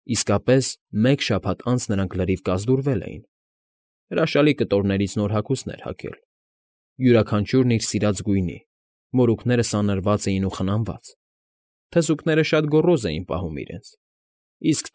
Իսկապես, մեկ շաբաթ անց նրանք լրիվ կազդուրվել էին, հրաշալի կտորներից նոր հագուստներ հագել, յուրաքանչյուրն իր սիրած գույնի, մորուքները սանրված էին ու խնամված, թզուկները շատ գոռոզ էին պահում իրենց, իսկ։